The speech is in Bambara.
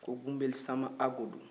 ko gunbeli sanba hako don